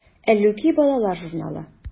“әллүки” балалар журналы.